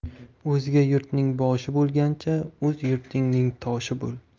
o'zga yurtning boshi bo'lgancha o'z yurtingning toshi bo'l